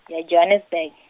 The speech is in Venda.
ya Johannesburg.